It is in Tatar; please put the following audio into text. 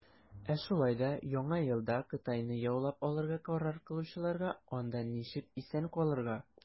Ә шулай да Яңа елда Кытайны яулап алырга карар кылучыларга, - анда ничек исән калырга.